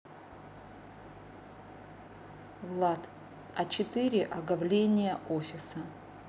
влад а четыре оговление офиса